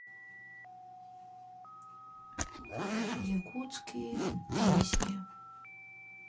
якутские песни